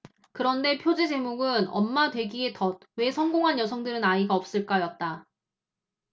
그런데 표지 제목은 엄마 되기의 덫 왜 성공한 여성들은 아이가 없을까였다